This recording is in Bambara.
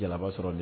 Jaba sɔrɔ